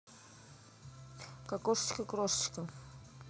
кокошечка крошечка